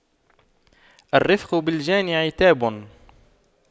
الرفق بالجاني عتاب